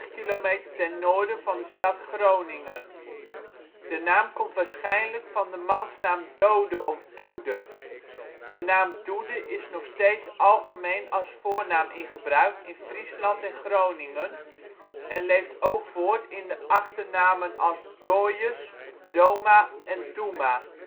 kilometer ten noorden van de stad Groningen. De naam komt waarschijnlijk van de mansnaam Doode of Doede. De naam Doede is nog steeds algemeen als voornaam in gebruik in Friesland en Groningen en leeft ook voort in de achternamen als Dooijes, Doma en Doema